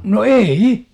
no ei